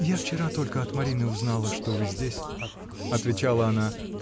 — Я вчера только от Марины узнала, что вы здесь, — отвечала она.